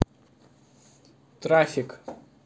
трафик